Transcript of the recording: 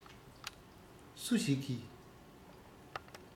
སུ ཞིག གིས